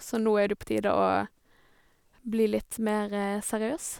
Så nå er det jo på tide å bli litt mere seriøs.